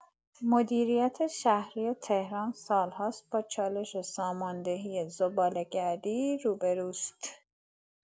مدیریت شهری تهران سال‌هاست با چالش سامان‌دهی زباله‌گردی روبه‌روست.